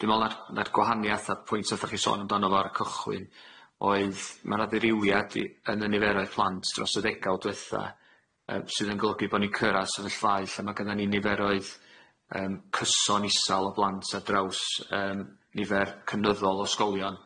Dwi'n me'wl na'r na'r gwahaniaeth a'r pwynt 'athoch chi sôn amdano fo ar y cychwyn oedd ma' 'na ddirywiad i- yn y niferoedd plant dros y ddegawd dwetha yy sydd yn golygu bo' ni'n cyrraedd sefyllfaoedd lle ma' gynnon ni niferoedd yym cyson isal o blant ar draws yym nifer cynyddol o ysgolion.